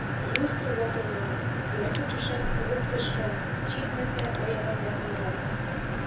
Люстра ватылган, ярты түшәм кубып төшкән, җитмәсә, аягым да сынган.